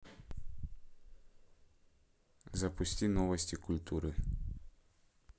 запусти новости культуры